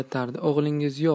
o'g'lingiz yo'q